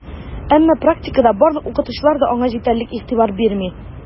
Әмма практикада барлык укытучылар да аңа җитәрлек игътибар бирми: